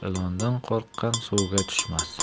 ilondan qo'rqqan suvga tushmas